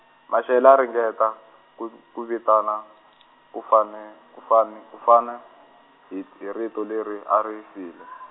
Mashele a ringeta, ku v-, ku vitana, kufani- kufani- kufana hi t-, hi rito leri ari file.